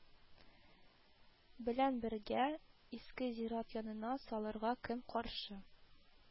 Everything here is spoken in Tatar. Белән бергә иске зират янына салырга кем каршы